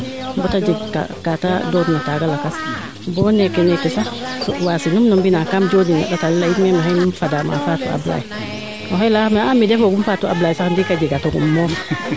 bata jeg kaate doon na taaga lakas bo neeke neeke sax wasinum no mbina ka mjonin na ndata le leyin me maxey fada maa Fatou Ablaye oxey leya xame mide fogum Fatou Ablaye ndiika jega tong im moof